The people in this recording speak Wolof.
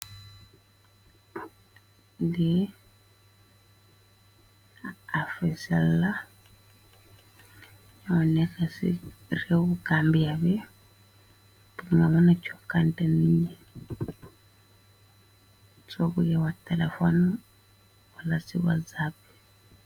Li afrisel la ya nekk ci réew kambiyabi bik nga mëna cokkante nigi sobu yewa telefon wala ci wa zab.